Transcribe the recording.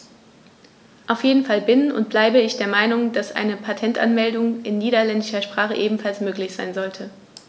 Auf jeden Fall bin - und bleibe - ich der Meinung, dass eine Patentanmeldung in niederländischer Sprache ebenfalls möglich sein sollte.